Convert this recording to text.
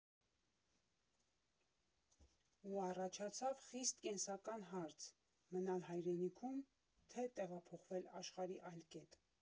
Ու առաջացավ խիստ կենսական հարց՝ մնալ հայրենիքո՞ւմ, թե՞ տեղափոխվել աշխարհի այլ կետ։